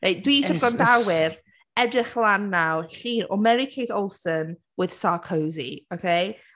Reit, dwi eisiau gwrandawyr, edrych lan nawr llun o Mary-Kate Olsen with Sarkozy, okay.